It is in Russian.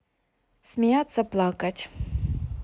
смеяться плакать